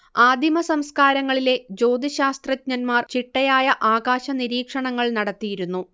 ആദിമസംസ്കാരങ്ങളിലെ ജ്യോതിശ്ശാസ്ത്രജ്ഞന്മാർ ചിട്ടയായ ആകാശനിരീക്ഷണങ്ങൾ നടത്തിയിരുന്നു